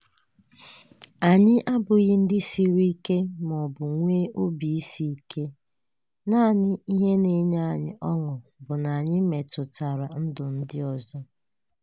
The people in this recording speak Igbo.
Anyị abụghị ndị siri ike maọbụ nwee obi isiike... naanị ihe na-enye anyị ọṅụ bụ na anyị metụtara ndụ ndị ọzọ.